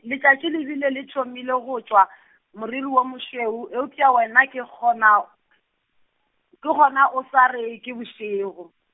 letšatši le bile le thomile go tšwa , moriri wo mošweu eupša wena ke gona , ke gona o sa re ke bošego.